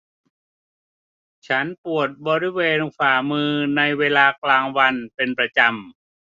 ฉันปวดบริเวณฝ่ามือในเวลากลางวันเป็นประจำ